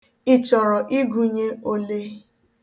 Ị chọrọ ịgụnye ole?